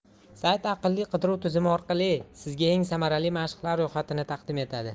sayt aqlli qidiruv tizimi orqali sizga eng samarali mashqlar ro'yxatini taqdim etadi